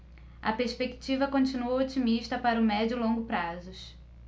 a perspectiva continua otimista para o médio e longo prazos